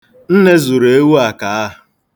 Nne zụrụ ewu akaaa.